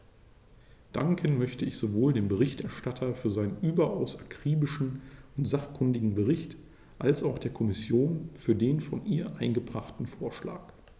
Danken möchte ich sowohl dem Berichterstatter für seinen überaus akribischen und sachkundigen Bericht als auch der Kommission für den von ihr eingebrachten Vorschlag.